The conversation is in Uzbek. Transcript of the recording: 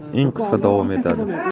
eng qisqa davom etadi